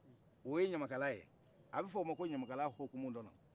o ye ɲamakalaya ye a bɛ f'o ma ko ɲamakalaya hɔkumu